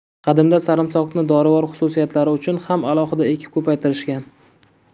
qadimda sarimsoqni dorivor xususiyatlari uchun ham alohida ekib ko'paytirishgan